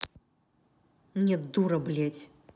нет дура блядь